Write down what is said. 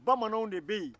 bamananw de bɛ yen